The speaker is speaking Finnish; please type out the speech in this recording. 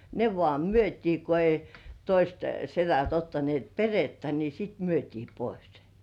ne vaan myytiin kun ei toiset sedät ottaneet perhettä niin sitten myytiin pois se